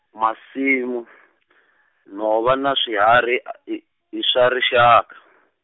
masimu , nhova na swihari a i , i swa rixaka.